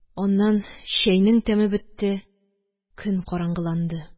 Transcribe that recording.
Аннан чәйнең тәме бетте, көн караңгыланды.